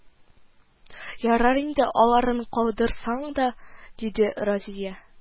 Ярар инде, аларын калдырсаң да, диде Разия